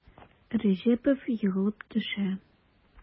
Рәҗәпов егылып төшә.